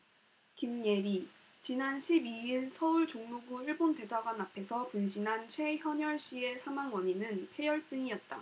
김예리 지난 십 이 일 서울 종로구 일본대사관 앞에서 분신한 최현열씨의 사망 원인은 패혈증이었다